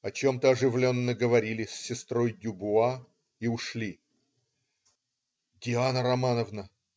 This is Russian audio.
О чем-то оживленно говорили с сестрой Дюбуа и ушли. "Диана Романовна!